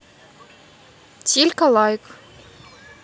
тилька лайк